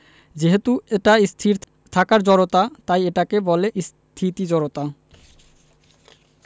যেহেতু এটা স্থির থাকার জড়তা তাই এটাকে বলে স্থিতি জড়তা